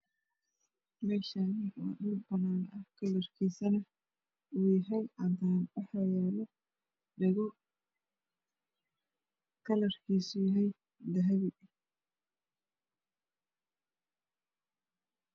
Meeshan waa dhul banaan kalarkiisana uu yahay cadaan waxaa yaalo dhago kalarkiisu yahay dahabi